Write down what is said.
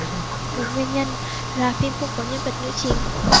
một nguyên nhân là phim không có nhân vật nữ chính